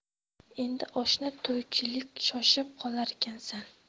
endi oshna to'ychilik shoshib qolarkansan